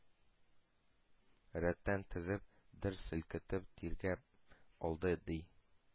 Рәттән тезеп, дер селкетеп тиргәп алды, ди: